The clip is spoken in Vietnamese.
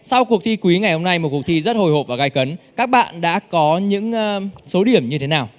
sau cuộc thi quý ngày hôm nay một cuộc thi rất hồi hộp và gay cấn các bạn đã có những a số điểm như thế nào